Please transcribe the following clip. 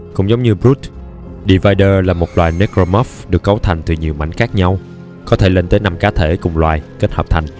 cũng giống như brute divider là một loài necromorphs được cấu thành từ nhiều mảnh khác nhau có thể lên tới cá thể cùng loài kết hợp thành